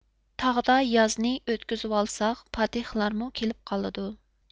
تاغدا يازنى ئۆتكۈزۈۋالساق پاتىخلارمۇ كېلىپ قالىدۇ